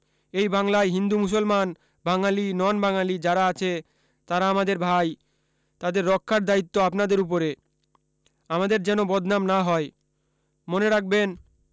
এই বাংলায় হিন্দু মুসলমান বাঙ্গালী নন বাঙ্গালী যারা আছে তারা আমাদের ভাই তাদের রক্ষার দায়িত্ব আপনাদের উপরে আমাদের যেন বদনাম না হয় মনে রাখবেন